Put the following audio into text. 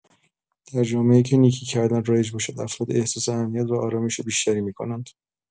در جامعه‌ای که نیکی کردن رایج باشد، افراد احساس امنیت و آرامش بیشتری می‌کنند.